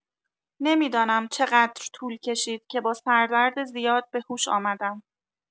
نمی‌دانم چقدر طول کشید که با سردرد زیاد به هوش آمدم.